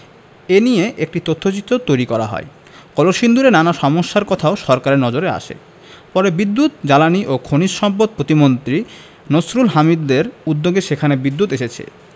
এ নিয়ে একটি তথ্যচিত্রও তৈরি করা হয় কলসিন্দুরের নানা সমস্যার কথাও সরকারের নজরে আসে পরে বিদ্যুৎ জ্বালানি ও খনিজ সম্পদ প্রতিমন্ত্রী নসরুল হামিদদের উদ্যোগে সেখানে বিদ্যুৎ এসেছে